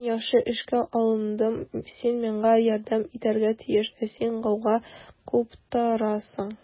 Мин яхшы эшкә алындым, син миңа ярдәм итәргә тиеш, ә син гауга куптарасың.